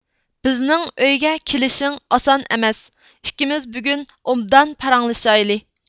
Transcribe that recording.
بىزنىڭ ئۆيگە كېلىشىڭ ئاسان ئەمەس ئىككىمىز بۈگۈن ئوبدان پاراڭلىشايلى